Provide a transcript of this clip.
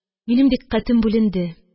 Минем дикъкатем бүленде.